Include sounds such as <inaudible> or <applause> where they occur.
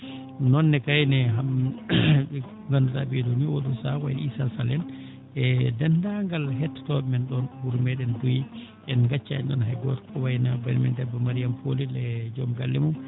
Ɗuum noon ne kayne <clears throat> <hesitation> ko ngannduɗaa ɓee ɗoo nii oo ɗoo sahaa ko wayi no Issa Sall en e denndaangal hettotooɓe men ɗoo ɗo wuro meeɗen Mboyi en ngaccaani ɗon hay gooto ko wayi no bani men debbo Mariama Polel e joom galle mum